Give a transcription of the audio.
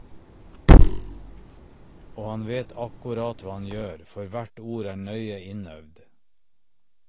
Og han vet akkurat hva han gjør, for hvert ord er nøye innøvd.